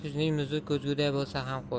kuzning muzi ko'zguday bo'lsa ham qo'rq